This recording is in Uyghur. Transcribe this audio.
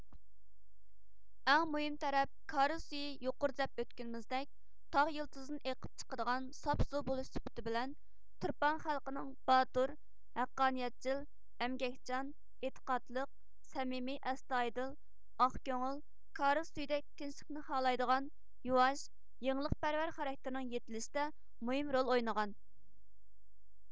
ئەڭ مۇھىم تەرەپ كارىز سۈيى يۇقۇرىدا دەپ ئۆتكىنىمىزدەك تاغ يىلتىزىدىن ئېقىپ چىقىدىغان ساپ سۇ بولۇش سۈپىتى بىلەن تۇرپان خەلقىنىڭ باتۇر ھەققانىيەتچىل ئەمگەكچان ئېتىقادلىق سەمىمىي ئەستايىدىل ئاقكۆڭۈل كارىز سۈيىدەك تىنىچلىقنى خالايدىغان يۇۋاش يېڭىلىقپەرۋەر خاراكتىرىنىڭ يېتىلىشىدە مۇھىم رول ئوينىغان